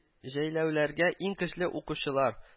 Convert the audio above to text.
Җәйләүләргә иң көчле укучылар